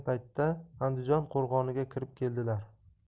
paytda andijon qo'rg'oniga kirib keldilar